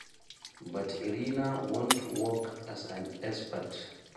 But Irina won’t work as an expert.